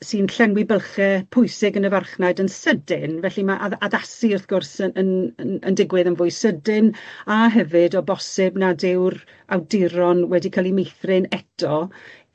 sy'n llenwi bylche pwysig yn y farchnad yn sydyn felly ma' add- addasu wrth gwrs yn yn yn yn digwydd yn fwy sydyn a hefyd o bosib nad yw'r awduron wedi ca'l 'u meithrin eto